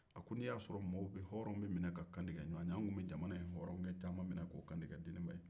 n'i y'a sɔrɔ hɔrɔw bɛ minɛ k'u kantigɛ ɲwan ye an tun bɛ jamana in hɔrɔnkɛ caman minɛ k'u kantigɛ deniba ye